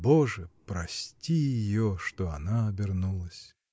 Боже, прости ее, что она обернулась!.